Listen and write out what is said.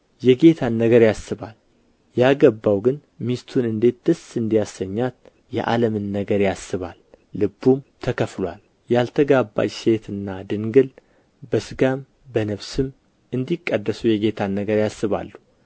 የጌታን ነገር ያስባል ያገባው ግን ሚስቱን እንዴት ደስ እንዲያሰኛት የዓለምን ነገር ያስባል ልቡም ተከፍሎአል ያልተጋባች ሴትና ድንግል በሥጋም በነፍስም እንዲቀደሱ የጌታን ነገር ያስባሉ